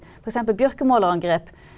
f.eks. bjørkemålerangrep.